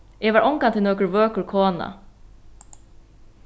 eg var ongantíð nøkur vøkur kona